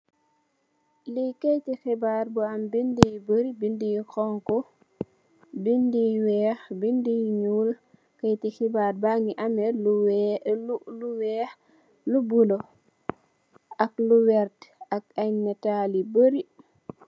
Li ketti xibaar bu am bindi yu barri bindi yu xongo bindi yu weex bindi yu nuul ketti xibaar bangi amme lu weex lu bulu ak lu wert ak ay natal yu barri.